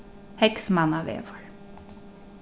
heygsmannavegur